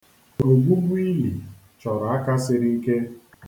Ogwugwu ili chọrọ aka siri ike.